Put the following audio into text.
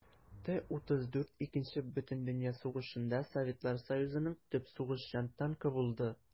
Т-34 Икенче бөтендөнья сугышында Советлар Союзының төп сугышчан танкы булды.